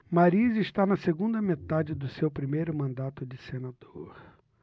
mariz está na segunda metade do seu primeiro mandato de senador